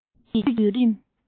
ལོ རྒྱུས ཀྱི རྒྱུད རིམ